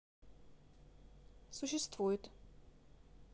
существует